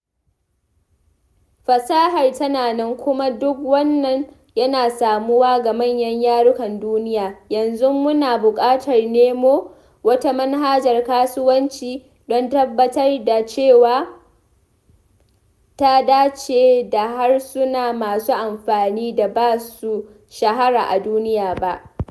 Fasahar tana nan kuma duk wannan yana samuwa ga manyan yarukan duniya, yanzu muna buƙatar nemo wata manhajar kasuwanci don tabbatar da cewa ta dace da harsuna masu amfani da ba su shahara a duniya ba.